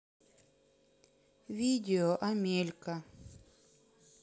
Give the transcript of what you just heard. видео амелька